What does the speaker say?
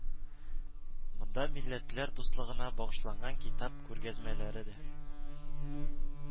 Монда миллләтләр дуслыгына багышланган китап күргәзмәләре дә